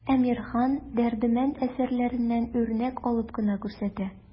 Әмирхан, Дәрдемәнд әсәрләреннән үрнәк алып кына күрсәтә.